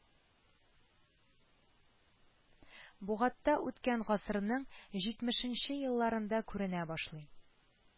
Бугатта үткән гасырның җитмешенче елларында күренә башлый,